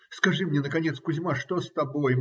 - Скажи мне наконец, Кузьма, что с тобой?